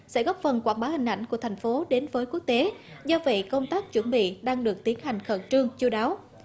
sẽ góp phần quảng bá hình ảnh của thành phố đến với quốc tế do vậy công tác chuẩn bị đang được tiến hành khẩn trương chu đáo